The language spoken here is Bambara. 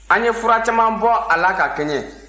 an ye fura caman bɔ a la ka kɛɲɛ